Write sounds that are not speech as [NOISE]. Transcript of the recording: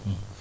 [HESITATION] [HESITATION]